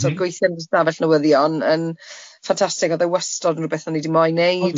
So gweithio yn y stafell newyddion yn ffantastig, oedd e wastod yn rwbeth o'n i di moyn wneud.